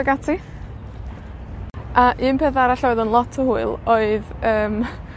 ag ati. A un peth arall oedd yn lot o hwyl oedd yym,